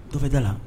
Dɔfeda la